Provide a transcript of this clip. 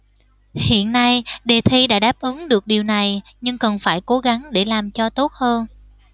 hiện nay đề thi đã đáp ứng được điều này nhưng cần phải cố gắng để làm cho tốt hơn